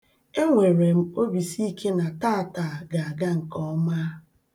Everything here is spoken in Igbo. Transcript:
Enwere m obisiike na taata ga-aga nke ọma.